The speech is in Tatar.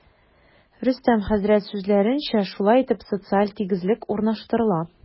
Рөстәм хәзрәт сүзләренчә, шулай итеп, социаль тигезлек урнаштырыла.